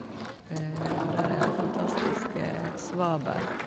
Og der er det fantastiske svaberg.